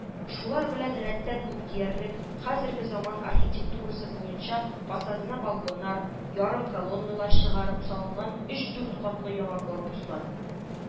Шулар белән рәттән үк диярлек, хәзерге заман архитектурасы буенча фасадына балконнар, ярым колонналар чыгарып салынган өч-дүрт катлы яңа корпуслар